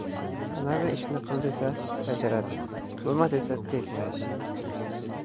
manavi ishni qil desa bajaradi qilma desa tegmaydi